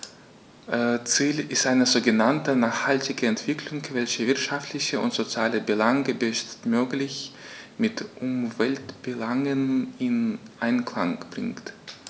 Ziel ist eine sogenannte nachhaltige Entwicklung, welche wirtschaftliche und soziale Belange bestmöglich mit Umweltbelangen in Einklang bringt.